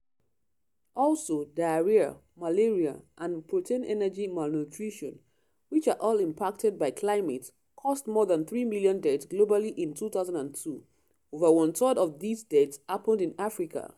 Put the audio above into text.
Also, diarrhea, malaria and protein-energy malnutrition, which are all impacted by climate, caused more than 3 million deaths globally in 2002; over one third of these deaths happened in Africa.